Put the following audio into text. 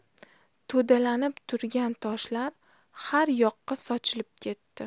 to'dalanib turgan toshlar har yoqqa sochilib ketdi